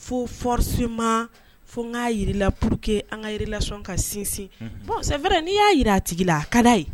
Fo forcement fo n ka jirala pour que an ka relation ka sinsin bon c'est vrai n'i y'a jira a tigila a ka